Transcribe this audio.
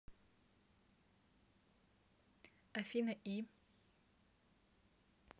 афина и